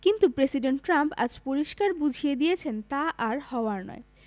কিন্তু president Trump আজ পরিষ্কার বুঝিয়ে দিয়েছেন তা আর হওয়ার নয়